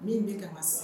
Min bɛ ka ma